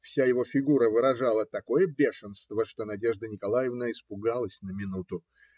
Вся его фигура выражала такое бешенство, что Надежда Николаевна испугалась на минуту.